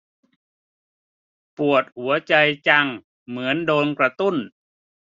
ปวดหัวใจจังเหมือนโดนกระตุ้น